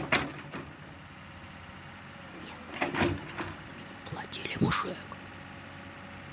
нет скажи я хочу чтобы за меня платили мужик